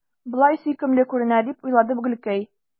Болай сөйкемле күренә, – дип уйлады Гөлкәй.